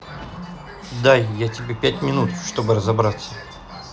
дай я тебе пять минут чтобы разобраться